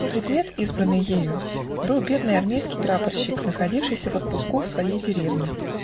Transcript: Предмет, избранный ею, был бедный армейский прапорщик, находившийся в отпуску в своей деревне.